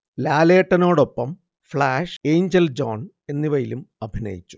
ലാലേട്ടനോടൊപ്പം Flash, Angel John എന്നിവയിലും അഭിനയിച്ചു